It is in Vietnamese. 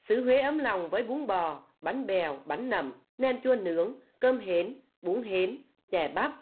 sứ huế ấm lòng với bún bò bánh bèo bánh nậm nem chua nướng cơm hến bún hến chè bắp